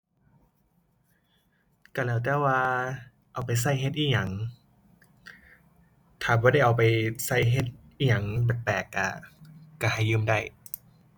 ก็แล้วแต่ว่าเอาไปก็เฮ็ดอิหยัง ถ้าบ่ได้เอาไปก็เฮ็ดอิหยังแปลกแปลกก็ ก็ให้ยืมได้